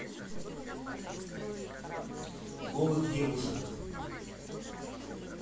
голых девушек